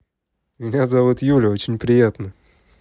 меня зовут юля очень приятно